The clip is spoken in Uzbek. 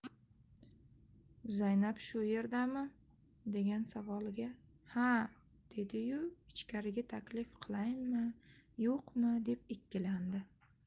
zaynab shu yerdami degan savoliga ha dedi yu ichkariga taklif qilayinmi yo yo'qmi deb ikkilandi